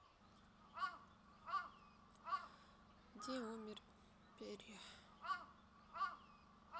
где умер перья